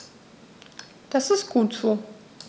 Das ist gut so.